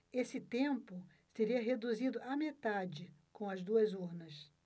esse tempo seria reduzido à metade com as duas urnas